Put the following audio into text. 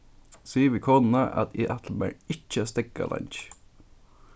sig við konuna at eg ætli mær ikki at steðga leingi